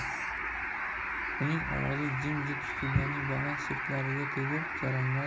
uning ovozi jim jit studiyaning baland shiftlariga tegib jaranglar